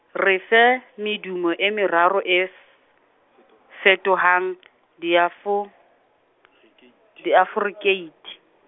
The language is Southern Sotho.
re fe medumo e meraro e, fetohang , diafo-, diaforekeithe.